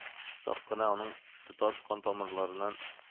Сак кына аның тоташ кан тамырларыннан